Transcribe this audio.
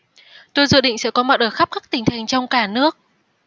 tôi dự định sẽ có mặt ở khắp các tỉnh thành trong cả nước